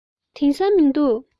དེང སང མི འདུག